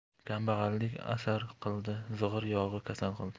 kambag'allik asar qildi zig'ir yog'i kasal qildi